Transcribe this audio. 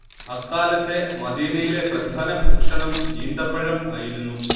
അക്കാലത്തെ മദീനയിലെ പ്രധാന ഭക്ഷണം ഈന്തപഴം ആയിരുന്നു